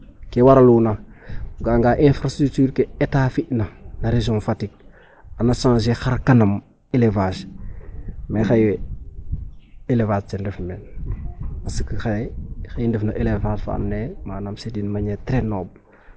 Ke a waraluna o ga'anga infrastricture ke Etat fi'na no région Fatick xan a changer xar kanam élevage mais xaye élevage ten refu men parce que xaye ka i ndef no élevage fa andoona yee manaam c' est une maniere trés noble.